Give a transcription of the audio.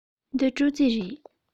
འདི སྒྲོག རྩེ རེད